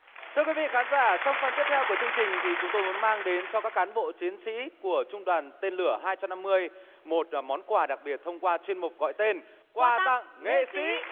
thưa quý vị khán giả trong phần tiếp theo của chương trình thì chúng tôi muốn mang đến cho các cán bộ chiến sĩ của trung đoàn tên lửa hai trăm năm mươi một món quà đặc biệt thông qua chuyên mục gọi tên quà tặng nghệ sĩ